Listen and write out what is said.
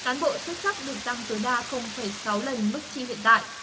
cán bộ xuất sắc được tăng tối đa không phẩy sáu lần mức chi hiện tại